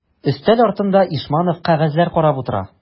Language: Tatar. Өстәл артында Ишманов кәгазьләр карап утыра.